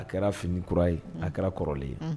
A kɛra fini kura ye a kɛra kɔrɔlen ye